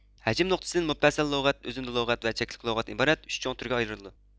ھەجىم نۇقتىسىدىن مۇپەسسەل لۇغەت ئۈزۈندە لۇغەت ۋە چەكلىك لۇغەتتىن ئىبارەت ئۈچ چوڭ تۈرگە ئايرىلىدۇ